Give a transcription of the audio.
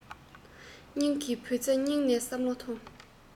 སྙིང གི བུ ཚོ སྙིང ནས བསམ བློ མཐོང